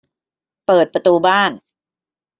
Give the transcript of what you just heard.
เปิดประตูบ้าน